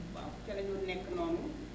waaw ca la ñu nekk noonu